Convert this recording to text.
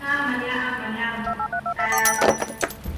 Na na ma'n iawn yym